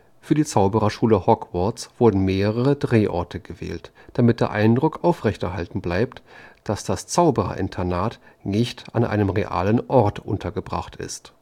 Zauberschule Hogwarts wurden mehrere Drehorte gewählt, damit der Eindruck aufrecht erhalten bleibt, dass das Zauber-Internat nicht an einem realen Ort untergebracht ist